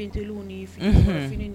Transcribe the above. Eliw ni ye